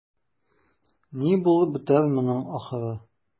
Ни булып бетәр моның ахыры?